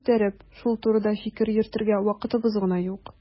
Баш күтәреп шул турыда фикер йөртергә вакытыбыз гына юк.